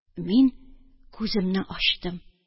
Мин күземне ачтым